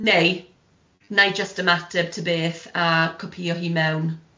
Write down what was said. Neu wna i jyst ymateb ta beth a copïo hi mewn.